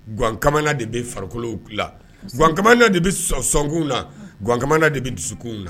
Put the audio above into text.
Wankamana de bɛ farikolokolowwanmana de bɛ sɔnkun nawankamana de bɛ dusukunw na